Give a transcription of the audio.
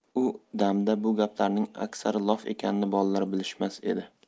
u damda bu gaplarning aksari lof ekanini bolalar bilishmas edi